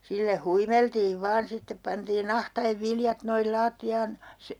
sillä huimeltiin vain sitten pantiin ahtaen viljat noin lattiaan -